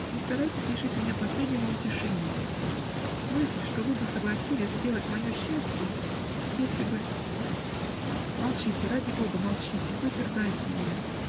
не старайтесь лишить меня последнего утешения: мысль, что вы бы согласились сделать мое счастие, если бы. молчите, ради бога, молчите. Вы терзаете меня.